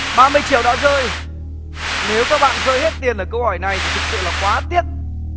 ba mươi triệu đã rơi nếu các bạn rơi hết tiền ở câu hỏi này thì thực sự là quá tiếc